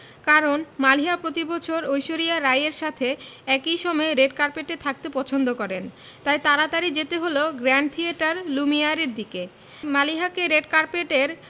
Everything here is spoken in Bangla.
কারণ মালিহা প্রতিবছর ঐশ্বরিয়া রাই এর সাথে একই সময়ে রেড কার্পেটে থাকতে পছন্দ করেন তাই তাড়াতাড়ি যেতে হলো গ্র্যান্ড থিয়েটার লুমিয়ারের দিকে মালিহাকে রেড কার্পেটের